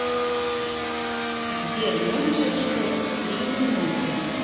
сбер можешь отчитать три минуты